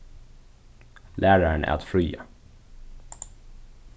lærarin æt fríða